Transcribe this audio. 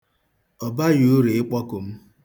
Ọ baghị uru ịkpọku m.